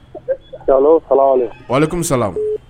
Allo salamuwalekum walekum salam